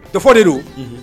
Tɛ fɔ de do